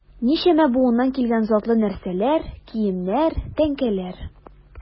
Ничәмә буыннан килгән затлы нәрсәләр, киемнәр, тәңкәләр...